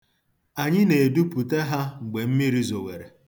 Anyị na-edupụta ha mgbe mmiri zowere.